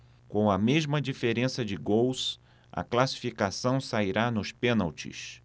com a mesma diferença de gols a classificação sairá nos pênaltis